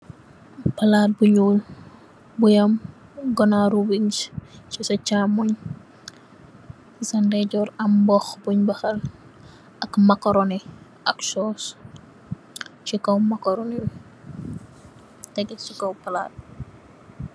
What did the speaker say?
Palaat bu ñuul bu yam ganaaru wings ci sa chàmoñ, ci sah ndejor am boho buñ bahal ak makarooni ak sos ci kaw makarooni bi tégé ci kaw palaat.